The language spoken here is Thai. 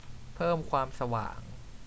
เพิ่มความสว่าง